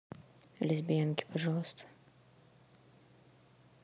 лесбиянки пожалуйста